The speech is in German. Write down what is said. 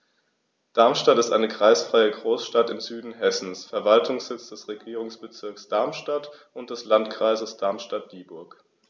Darmstadt ist eine kreisfreie Großstadt im Süden Hessens, Verwaltungssitz des Regierungsbezirks Darmstadt und des Landkreises Darmstadt-Dieburg.